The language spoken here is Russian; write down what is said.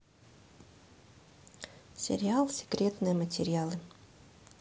сериал секретные материалы